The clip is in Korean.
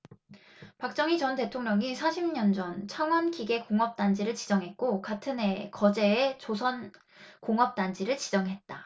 박정희 전 대통령이 사십 년전 창원기계공업단지를 지정했고 같은해에 거제에 조선공업단지를 지정했다